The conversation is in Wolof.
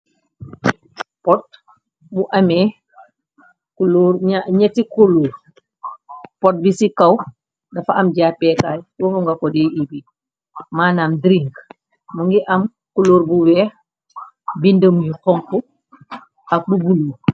Pot bu ameh ñetti kulor, pot bi ci kaw dafa am japekaay loxo nga ko de bi manaam drink mu ngi am kulor bu wèèx bindé yu xonxu ak bu bulu.